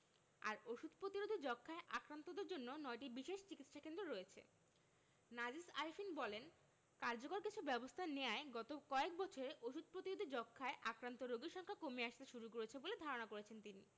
আর ওষুধ প্রতিরোধী যক্ষ্মায় আক্রান্তদের জন্য ৯টি বিশেষ চিকিৎসাকেন্দ্র রয়েছে নাজিস আরেফিন বলেন কার্যকর কিছু ব্যবস্থা নেয়ায় গত কয়েক বছরে ওষুধ প্রতিরোধী যক্ষ্মায় আক্রান্ত রোগীর সংখ্যা কমে আসতে শুরু করেছে বলে ধারণা করছেন তিনি